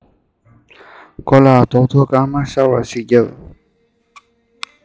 མགོ ལ རྡོག ཐོ སྐར མ ཤར བ ཞིག བརྒྱབ